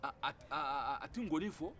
aa a tɛ gɔni fɔ